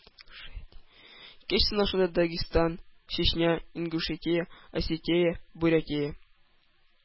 Көч сынашуда Дагестан, Чечня, Ингушетия, Осетия, Бурятия,